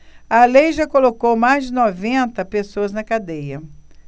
a lei já colocou mais de noventa pessoas na cadeia